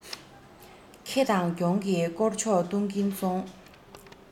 ཁེ དང གྱོང གི བསྐོར ཕྱོགས གཏོང གིན སོང